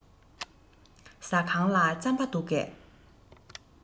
ཟ ཁང ལ རྩམ པ འདུག གས